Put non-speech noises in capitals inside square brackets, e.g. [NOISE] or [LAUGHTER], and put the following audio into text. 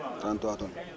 [CROSSTALK] 33 tonnes